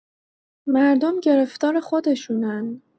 مردم گرفتار خودشونن.